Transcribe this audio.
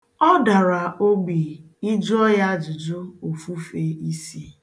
Ọ dara ogbi. Ị jụọ ya ajụjụ o fufee isi.